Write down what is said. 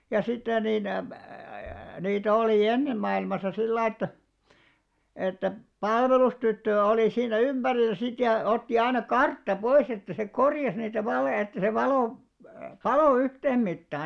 ja sitten niin -- niitä oli ennen maailmassa sillä lailla että että palvelustyttö oli siinä ympärillä sitten ja otti aina kartta pois että se korjasi niitä valoja että se valo paloi yhteen mittaan